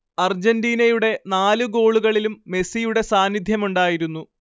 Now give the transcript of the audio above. അർജന്റീനയുടെ നാല് ഗോളുകളിലും മെസ്സിയുടെ സാന്നിധ്യമുണ്ടായിരുന്നു